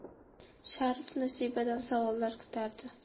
sharif nasibadan savollar kutardi